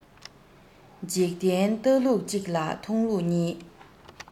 འཇིག རྟེན ལྟ ལུགས གཅིག ལ མཐོང ལུགས གཉིས